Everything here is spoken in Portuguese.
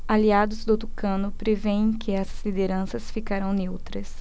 aliados do tucano prevêem que essas lideranças ficarão neutras